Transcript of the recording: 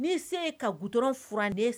N'i se ye ka goudron furan de